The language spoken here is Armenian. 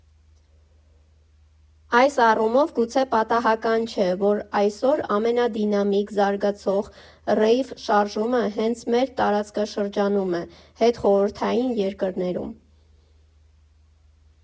Այս առումով, գուցե պատահական չէ, որ այսօր ամենադինամիկ զարգացող ռեյվ֊շարժումը հենց մեր տարածաշրջանում է՝ հետխորհրդային երկրներում։